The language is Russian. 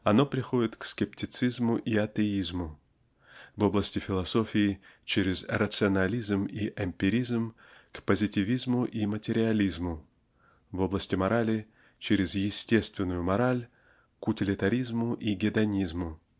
оно приходит к скептицизму и атеизму в области философии через рационализм и эмпиризм -- к позитивизму и материализму в области морали чрез "естественную" мораль -- к утилитаризму и гедонизму.